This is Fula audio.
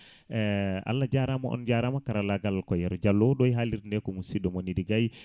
Allah jaarama on jarama karallagal ko Yero Diallo ɗo e haalirde nde ko musidɗo moon Idy Gaye